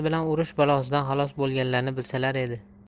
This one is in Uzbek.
bilan urush balosidan xalos bo'lganlarini bilsalar edi